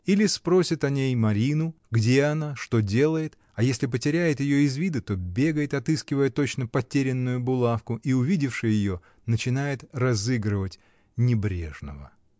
Или спросит о ней Марину, где она, что делает, а если потеряет ее из вида, то бегает, отыскивая точно потерянную булавку, и, увидевши ее, начинает разыгрывать небрежного.